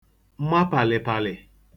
ma pàlị̀pàlị̀